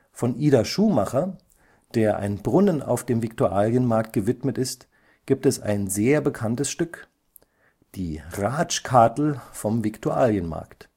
Von Ida Schumacher (der ein Brunnen auf dem Viktualienmarkt gewidmet ist) gibt es ein sehr bekanntes Stück: Die Ratschkathl vom Viktualienmarkt